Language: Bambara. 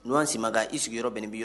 N'wan si ma kan i sigiyɔrɔ yen b' yɔrɔ